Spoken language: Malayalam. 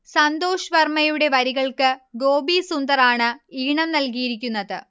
സന്തോഷ് വർമയുടെ വരികൾക്ക് ഗോപീ സുന്ദറാണ് ഈണം നൽകിയിരിക്കുന്നത്